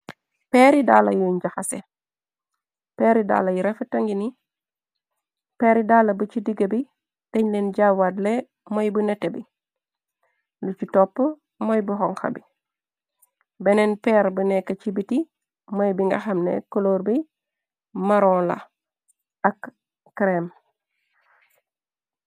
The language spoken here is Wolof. Peeri daala yun njaxase peeri daala yu refeta ngi ni peeri daala bu ci digga bi dañ leen jawwaatle mooy bu nete bi lu ci topp mooy bu xonxa bi beneen peer bu nekk ci biti mooy bi nga xamne koloor bi maroon la ak krem.